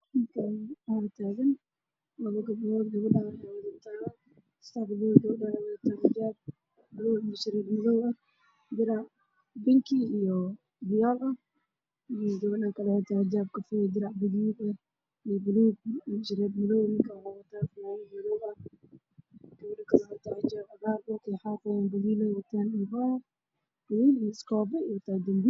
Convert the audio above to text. meeshaan waxaa ka muuqda nin iyo labo gabdhood oomeel xaaqayo ninkana waxbuu gurayaa